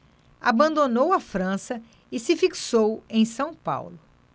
abandonou a frança e se fixou em são paulo